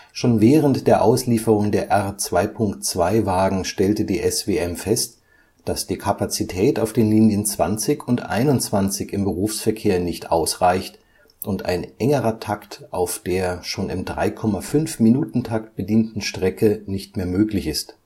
Schon während der Auslieferung der R-2.2.-Wagen stellte die SWM fest, dass die Kapazität auf den Linien 20 und 21 im Berufsverkehr nicht ausreicht und ein engerer Takt auf der schon im 3,5-Minutentakt bedienten Strecke nicht mehr möglich ist